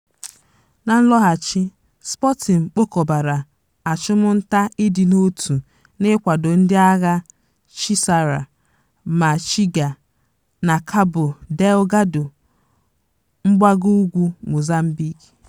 Na nloghachi, Sporting kpokobara achụmnta ịdị n'otu n'ịkwado ndị agha chisara ma chiga na Cabo Delgado, mgbagougwu Mozambique.